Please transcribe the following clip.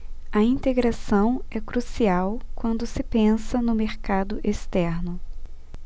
a integração é crucial quando se pensa no mercado externo